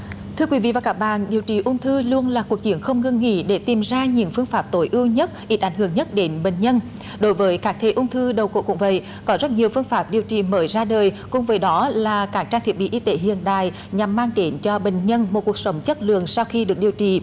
thưa quý vị và các bạn điều trị ung thư luôn là cuộc chiến không ngừng nghỉ để tìm ra những phương pháp tối ưu nhất ít ảnh hưởng nhất đến bệnh nhân đối với cá thể ung thư đầu cổ cũng vậy có rất nhiều phương pháp điều trị mới ra đời cùng với đó là cả trang thiết bị y tế hiện đại nhằm mang đến cho bệnh nhân một cuộc sống chất lượng sau khi được điều trị